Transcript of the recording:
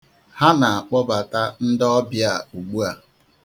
Ha na-akpọbata ndị ọbịa ugbua.